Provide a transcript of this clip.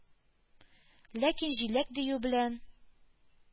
Ләкин “җиләк” дию белән,